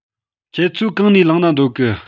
ཁྱེད ཆོས གང ནས བླངས ན འདོད གི